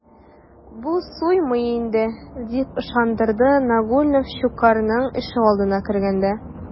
Бу суймый инде, - дип ышандырды Нагульнов Щукарьның ишегалдына кергәндә.